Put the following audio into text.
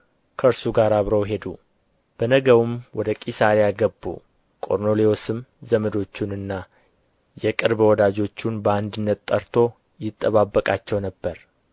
ከእርሱ ጋር አብረው ሄዱ በነገውም ወደ ቂሣርያ ገቡ ቆርኔሌዎስም ዘመዶቹንና የቅርብ ወዳጆቹን በአንድነት ጠርቶ ይጠባበቃቸው ነበር